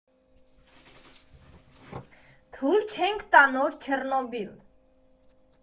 «Թույլ չենք տա նոր Չեռնոբիլ»։